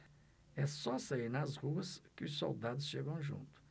é só sair nas ruas que os soldados chegam junto